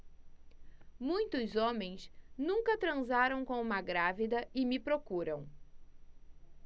muitos homens nunca transaram com uma grávida e me procuram